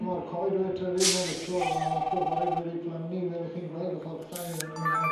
Wel ma'r coed wedi tyfu'n aruthrol ma' lot o goed wedi plannu fel 'ych chi'n gweld y fan 'yn nawr.